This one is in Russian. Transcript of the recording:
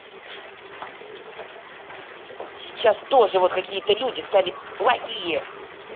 сейчас тоже вот какие то люди стали плохие